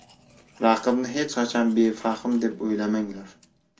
raqibni hech qachon befahm deb o'ylamanglar